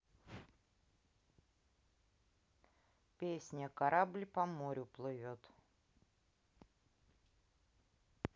песня корабль по морю плывет